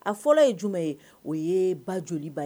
A fɔlɔ ye jumɛn ye o ye ba joliba ye